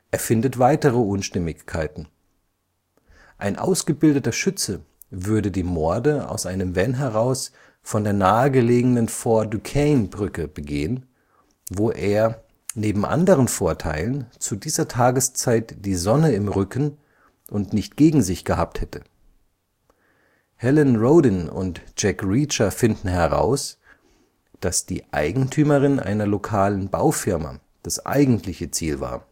Er findet weitere Unstimmigkeiten. Ein ausgebildeter Schütze würde die Morde aus einem Van heraus von der nahe gelegenen Fort Duquesne Brücke begehen, wo er – neben anderen Vorteilen – zu dieser Tageszeit die Sonne im Rücken und nicht gegen sich gehabt hätte. Helen Rodin und Jack Reacher finden heraus, dass die Eigentümerin einer lokalen Baufirma das eigentliche Ziel war